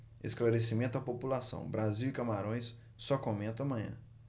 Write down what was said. esclarecimento à população brasil e camarões só comento amanhã